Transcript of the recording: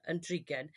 yn drugen